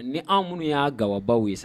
Ni anw minnu y'a gabaww ye sa